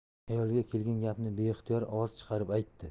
xayoliga kelgan gapni beixtiyor ovoz chiqarib aytdi